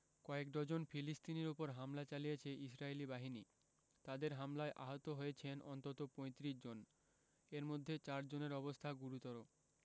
কয়েক ডজন ফিলিস্তিনির ওপর হামলা চালিয়েছে ইসরাইলি বাহিনী তাদের হামলায় আহত হয়েছেন অন্তত ৩৫ জন এর মধ্যে চার জনের অবস্থা গুরুত্বর